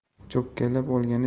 cho'kkalab olganicha bolani